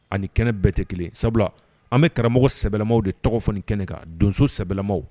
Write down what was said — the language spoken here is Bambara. Ani kɛnɛ bɛɛ tɛ kelen sabula an bɛ karamɔgɔ sɛbɛw de tɔgɔ fɔ ni kɛnɛ kan donso sɛbɛma